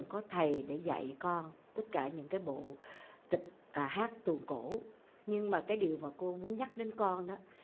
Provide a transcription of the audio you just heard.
có thầy để dạy con tất cả những cái bộ tịch à hát tuồng cổ nhưng mà cái điều mà cô muốn nhắc đến con đó